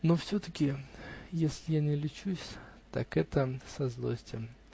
Но все-таки, если я не лечусь, так это со злости.